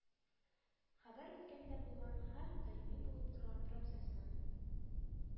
Хәбәр үткәндә булган һәм даими булып торган процессны